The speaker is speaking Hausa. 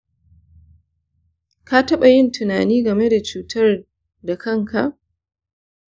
ka taɓa yin tunani game da cutar da kan ka?